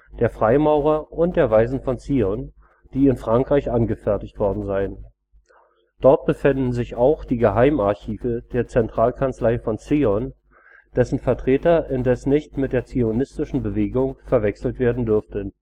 der Freimaurer und der Weisen von Zion “, die in Frankreich angefertigt worden seien. Dort befänden sich auch die „ Geheimarchive der Zentralkanzlei von Zion “, dessen Vertreter indes nicht mit der zionistischen Bewegung verwechselt werden dürften